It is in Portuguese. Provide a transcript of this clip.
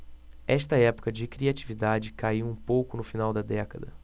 esta época de criatividade caiu um pouco no final da década